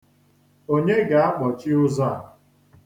Onye ga-akpọchị ụzọ a?